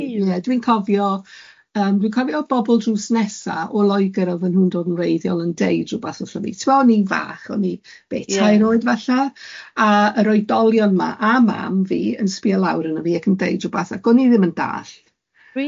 Ie dwi'n cofio yym dwi'n cofio bobl drws nesa o Loegr a oedden nhw'n dod yn wreiddiol yn deud rwbath wrtho fi. Timo o'n i'n fach, o'n i be, tair oed falla, a yr oedolion yma a mam fi yn sbio lawr arno fi ac yn deud rwbath ac o'n i ddim yn dalld. Really?